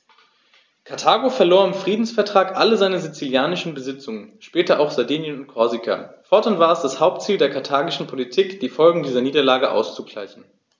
Karthago verlor im Friedensvertrag alle seine sizilischen Besitzungen (später auch Sardinien und Korsika); fortan war es das Hauptziel der karthagischen Politik, die Folgen dieser Niederlage auszugleichen.